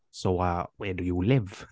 So, ah, where do you live?